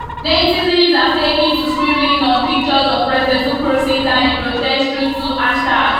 Netizens have taken to scribbling on pictures of President Nkurunziza in protest through two hashtags